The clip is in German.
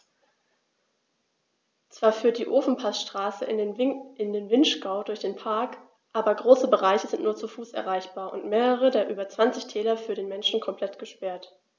Zwar führt die Ofenpassstraße in den Vinschgau durch den Park, aber große Bereiche sind nur zu Fuß erreichbar und mehrere der über 20 Täler für den Menschen komplett gesperrt.